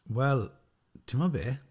Wel, timod be?